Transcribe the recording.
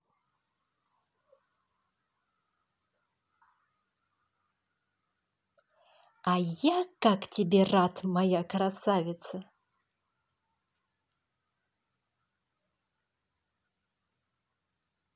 а я как тебе рад моя красавица